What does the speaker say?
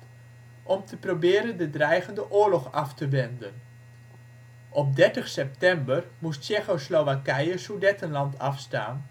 proberen de dreigende oorlog af te wenden. Op 30 september moest Tsjecho-Slowakije Sudetenland afstaan